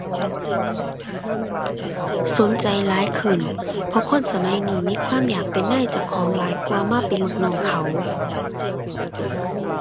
สนใจหลายขึ้น เพราะคนสมัยนี้มีความอยากเป็นนายเจ้าของหลายกว่ามาเป็นลูกน้องเขา